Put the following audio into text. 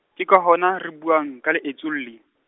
ke ka hona, re buang, ka leetsolli.